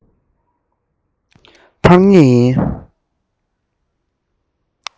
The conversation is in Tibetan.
འཕར ངེས ཡིན